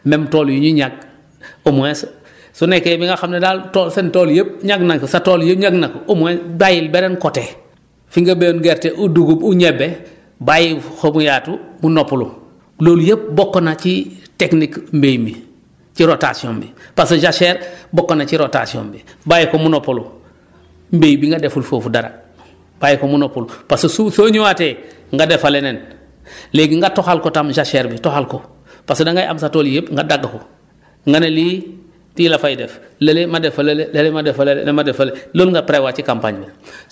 mêm tool yi ñu ñag au moins su nekkee bi nga xam ne daal too seen tool yëpp ñag naén ko seen tool yëpp ñag na ko au moins bàyyil beneen côté fi nga béyoon gerte ou dugub ou ñebe bàyyi ko mu yaatu mu noppalu loolu yëpp bokk na ci technique mbéy mi ci rotation bi parce que jachère bokk na ci rotation bi bàyyi ko mu noppalu mbéy bi nga deful foofu dara bàyyi ko mu noppalu parce que su soo ñëwaatee nga def fa leneen léegi nga toxal ko tam jachère bi toxal ko parce que da ngay am sa tool yëpp nga dagg ko nga ne lii kii la fay def lële ma def lële lële ma def fa lële ma def lële loolu nga prévoir ci campagne bi